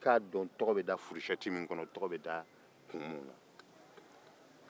u k'a dɔn tɔgɔ bɛ da kun minnu na